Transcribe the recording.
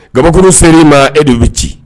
Kabakorosen ma e de bɛ ci